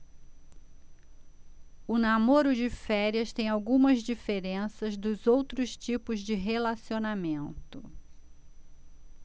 o namoro de férias tem algumas diferenças dos outros tipos de relacionamento